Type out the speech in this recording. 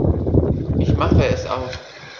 Ich mache es aus.